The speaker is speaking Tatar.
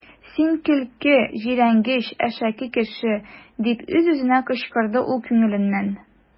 Син көлкеле, җирәнгеч, әшәке кеше! - дип үз-үзенә кычкырды ул күңеленнән.